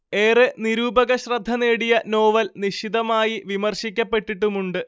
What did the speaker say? ഏറെ നിരൂപകശ്രദ്ധ നേടിയ നോവൽ നിശിതമായി വിമർശിക്കപ്പെട്ടിട്ടുമുണ്ട്